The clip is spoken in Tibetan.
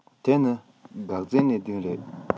དེ ནི འགག རྩའི གནད དོན རེད